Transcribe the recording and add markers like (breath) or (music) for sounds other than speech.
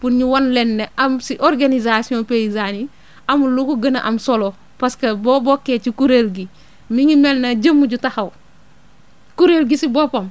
pour ñu wan leen ne am si organisations paysanes yi (breath) amul lu ko gën a am solo parce que boo bokkee ci kuréel gi (breath) mi ngi mel ne jëmm ju taxaw kuréel gi si boppam